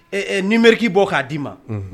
Ɛɛ numerique bɔ k'a d'i ma